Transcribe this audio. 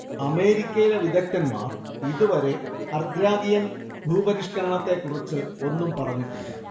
അമേരിക്കയിലെ വിദഗ്ദ്ധന്മാർ ഇതുവരെ അർഗ്രാരിയൻ ഭൂപരിഷ്കരണത്തെക്കുറിച്ച് ഒന്നും പറഞ്ഞിട്ടില്ല